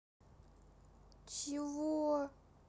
афина вызови тебя спрашивают откуда мой не носишь с собой